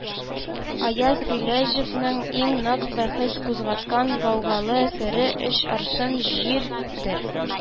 Аяз Гыйләҗевнең иң нык бәхәс кузгаткан гаугалы әсәре «Өч аршын җир»дер,